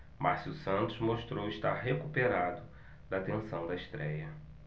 márcio santos mostrou estar recuperado da tensão da estréia